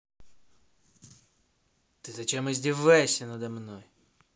ты зачем издеваешься надо мной